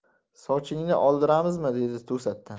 sochingni oldiramizmi dedi to'satdan